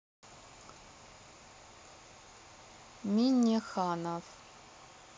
миннеханов